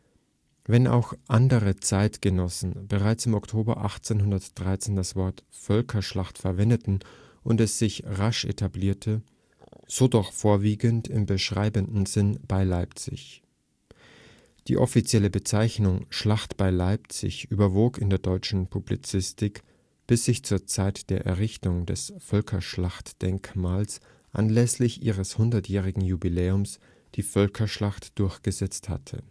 Wenn auch andere Zeitgenossen bereits im Oktober 1813 das Wort „ Völkerschlacht “verwendeten und es sich rasch etablierte, so doch vorwiegend im beschreibenden Sinn „... bei Leipzig “. Die offizielle Bezeichnung „ Schlacht bei Leipzig “überwog in der deutschen Publizistik, bis sich zur Zeit der Errichtung des Völkerschlachtdenkmals anlässlich ihres hundertjährigen Jubiläums die „ Völkerschlacht “durchgesetzt hatte